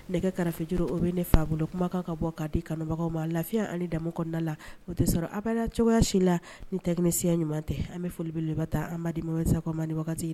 Nɛgɛ karafej o bɛ ne fa bolo kuma kan ka bɔ k'a di kanubagaw ma lafiya damu kɔnɔnada la o tɛ sɔrɔ a cogoyaya si la ni tainisiya ɲuman tɛ an bɛ foli bɛele laban taa anba di masa ma